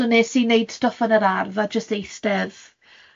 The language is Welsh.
So wnes i wneud stwff yn yr ardd a jyst eistedd.